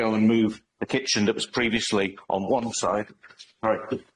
go and move the kitchen that was previously on one side right